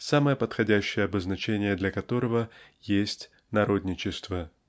самое подходящее обозначение для которого есть народничество.